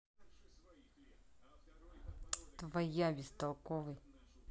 твоя бестолковый